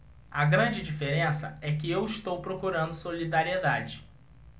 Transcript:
a grande diferença é que eu estou procurando solidariedade